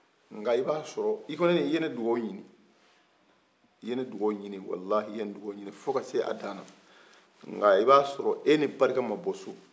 nka i b'a sɔrɔ i kɔni i ye ne dugaw ɲini i ye ne dugaw ɲini walahi i ye dugaw ɲini fɔ ka taa se a daanan nka i b'a sɔrɔ e ni barika ma bɔ so